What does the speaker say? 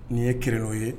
Nin ye kɛlɛ'o ye